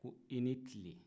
ko i ni tile